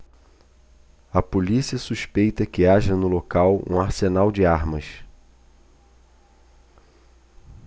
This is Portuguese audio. a polícia suspeita que haja no local um arsenal de armas